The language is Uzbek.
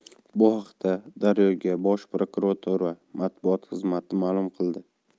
bu haqda daryo ga bosh prokuratura matbuot xizmati ma'lum qildi